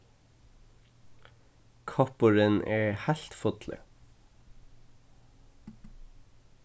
koppurin er heilt fullur